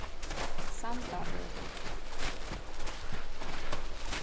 sandavegur